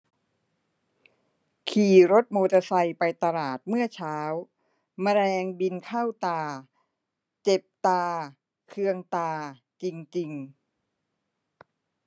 ขี่รถมอเตอร์ไซไปตลาดเมื่อเช้าแมลงบินเข้าตาเจ็บตาเคืองตาจริงจริง